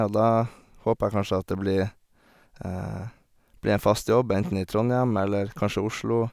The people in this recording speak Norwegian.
Og da håper jeg kanskje at det blir blir en fast jobb, enten i Trondhjem eller kanskje Oslo.